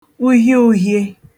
uhieūhiē